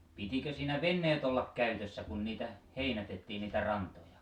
pitikö siinä veneet olla käytössä kun niitä heinätettiin niitä rantoja